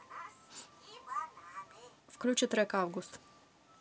включи трек август